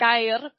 gau'r